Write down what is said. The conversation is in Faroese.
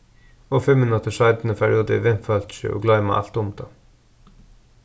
og fimm minuttir seinni fara út við vinfólki og gloyma alt um tað